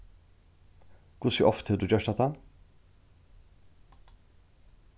hvussu ofta hevur tú gjørt hatta